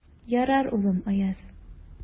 Ярар, улым, Аяз.